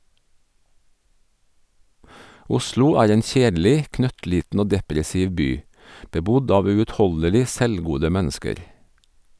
Oslo er en kjedelig, knøttliten og depressiv by, bebodd av uutholdelig selvgode mennesker.